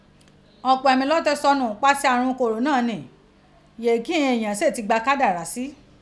Ọpọ emi lo ti sọnu nipasẹ ààrun kòrónà ni yee ki ighan eeyan se ti gba kadara si.